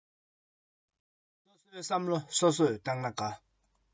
སོ སོའི བསམ བློ སོ སོས བཏང ན དགའ